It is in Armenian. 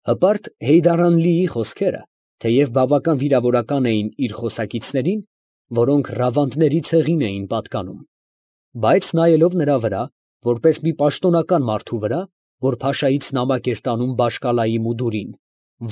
Հպարտ Հեյդարանլիի խոսքերը թեև բավական վիրավորական էին իր խոսակիցներին, որոնք Ռավանդների ցեղին էին պատկանում, բայց նայելով նրա վրա, որպես մի պաշտոնական մարդու վրա, որ Փաշայից նամակ էր տանում Բաշ֊Կալայի մուդուրին,